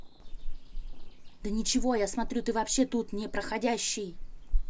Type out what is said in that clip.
да ничего я смотрю ты вообще тут непроходящий